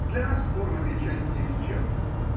– Для нас спор в этой части исчерпан.